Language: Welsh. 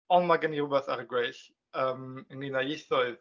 Ond mae gen i wbeth ar y gweill ynglyn â ieithoedd.